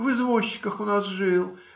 В извозчиках у нас жил.